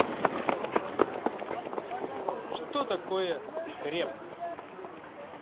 что такое скреп